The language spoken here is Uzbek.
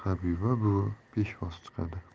habiba buvi peshvoz chiqadi